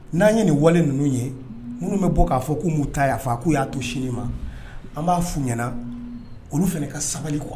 N'an ye nin wale ninnu ye minnu bɛ bɔ k'a fɔ ko mu ta'a fɔ k'u y'a to sini ma an b'a fu ɲɛnaana olu fana ka sabali kɔ